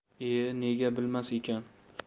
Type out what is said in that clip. iye nega bilmas ekan